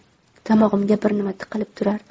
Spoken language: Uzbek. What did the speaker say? tomog'imga bir nima tiqilib turar